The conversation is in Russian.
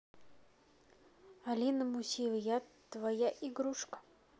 алина мусиева я не твоя игрушка